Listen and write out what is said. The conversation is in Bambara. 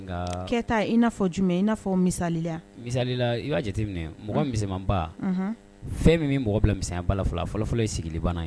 Ke i n'a fɔ jumɛn i n'afɔ misali misalila i ka jateminɛ mɔgɔ miba fɛn min min mɔgɔ bila misa bala fɔlɔ fɔlɔfɔlɔ ye sigilen banna ye